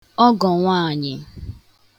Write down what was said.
ọgọ̀ nwaànyị̀